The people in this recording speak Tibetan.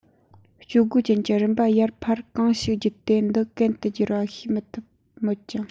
སྤྱོད སྒོ ཅན གྱི རིམ པ ཡར འཕར གང ཞིག བརྒྱུད དེ འདི གན དུ འགྱུར བ ཤེས མི ཐུབ མོད ཀྱང